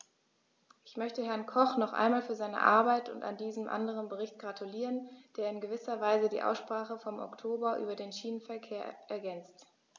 Ich möchte Herrn Koch noch einmal für seine Arbeit an diesem anderen Bericht gratulieren, der in gewisser Weise die Aussprache vom Oktober über den Schienenverkehr ergänzt.